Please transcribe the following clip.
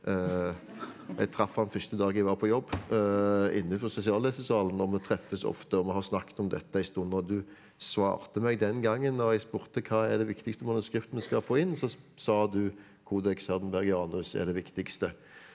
jeg traff han første dag jeg var på jobb inne på spesiallesesalen og vi treffes ofte og vi har snakket om dette en stund og du svarte meg den gangen når jeg spurte hva er det viktigste manuskriptet vi skal få inn så sa du Codex Hardenbergianus er det viktigste.